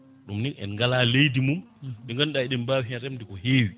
ɗum ni en gala leydi mum ndi ganduɗa eɗen mbawi hen remde ko hewi